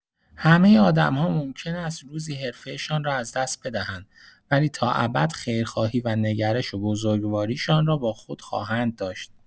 همه آدم‌ها ممکن است روزی حرفه‌شان را از دست بدهند ولی تا ابد خیرخواهی و نگرش و بزرگواری‌شان را با خود خواهند داشت.